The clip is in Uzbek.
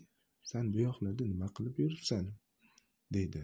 san bu yoqlarda nima qilib yuribsan deydi